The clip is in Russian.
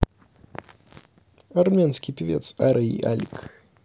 армянский певец ара и алик